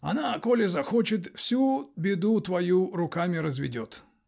Она, коли захочет всю беду твою руками разведет.